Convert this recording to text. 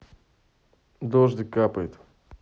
дождик капает